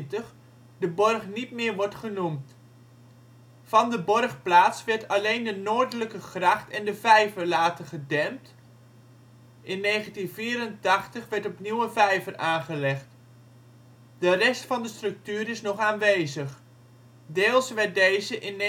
de borg niet meer wordt genoemd. Van de borgplaats werd alleen de noordelijke gracht en de vijver later gedempt (in 1984 werd opnieuw een vijver aangelegd), de rest van de structuur is nog aanwezig; deels werd deze in